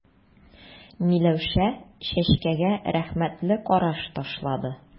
Миләүшә Чәчкәгә рәхмәтле караш ташлады.